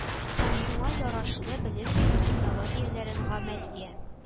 Һәм шуңа ярашлы белем бирү технологияләрен гамәлгә